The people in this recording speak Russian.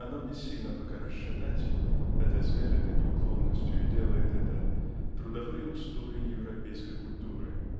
оно бессильно пока расшатать (хотя с медленной неуклонностью и делает это) трудовые устои европейской культуры